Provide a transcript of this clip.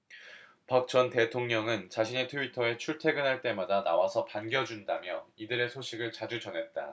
박 전 대통령은 자신의 트위터에 출퇴근할 때마다 나와서 반겨준다며 이들의 소식을 자주 전했다